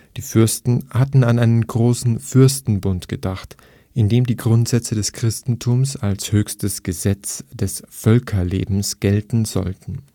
Die Fürsten hatten an einen großen Fürstenbund gedacht, in dem die Grundsätze des Christentums als höchstes Gesetz des Völkerlebens gelten sollten